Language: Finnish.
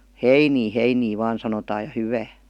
heiniä heiniä vain sanotaan ja hyvää